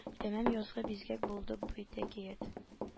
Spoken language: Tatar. Тәмам язгы бизгәк булды бит әкият